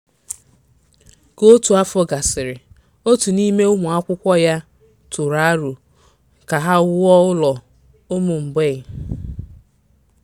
Ka otu afọ gasiri, otu n'ime ụmụ akwụkwọ ya tụrụ aro ka ha wuo ụlọ ụmụ mgbei.